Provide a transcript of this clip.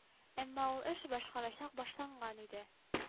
Әмма ул эш башкачарак башланган иде